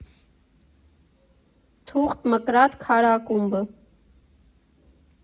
Թուղթ Մկրատ Քար Ակումբը։